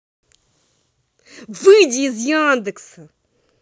выйди из яндекса